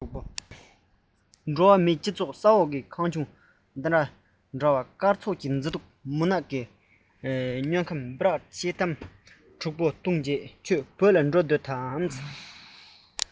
འགྲོ བ མིའི སྤྱི ཚོགས ས འོག གི ཁང ཆུང འདི དང འདྲ བ སྐར ཚོགས ཀྱི མཛེས སྡུག མུན ནག གི དམྱལ ཁམས སྦི རག ཤེལ དམ དྲུག པོ བཏུངས ཁྱོད བོད ལ འགྲོ འདོད དམ